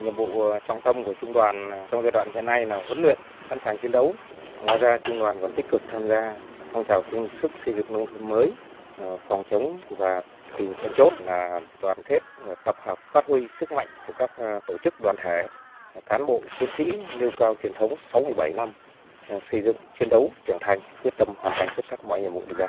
nhiệm vụ trọng tâm của trung đoàn trong giai đoạn hiện nay là huấn luyện sẵn sàng chiến đấu ngoài ra trung đoàn còn tích cực tham gia phong trào chung sức xây dựng nông thôn mới phòng chống và tìm then chốt là đoàn kết tập hợp phát huy sức mạnh của các tổ chức đoàn thể cán bộ chiến sĩ nêu cao truyền thống sáu mươi bảy năm xây dựng chiến đấu trưởng thành quyết tâm hoàn thành xuất sắc mọi nhiệm vụ được giao